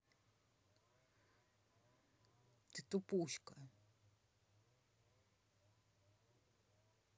ты тупуська